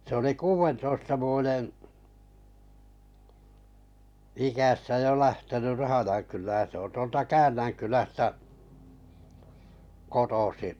se oli kuudentoista vuoden iässä jo lähtenyt Rahjankylään se on tuolta Käännänkylästä kotoisin